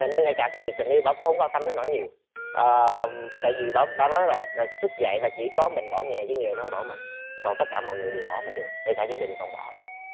anh nói nghe cả cái việc tình yêu bảo cũng hổng quan tâm đến nỗi nhiều ờ tại vì bảo bảo nói rồi là thức dậy là chỉ có mình bỏ nghề chứ nghề nó hông bỏ mình còn tất cả mọi người đều bỏ mình được ngay cả gia đình còn bỏ mà